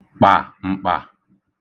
kpà m̀kpà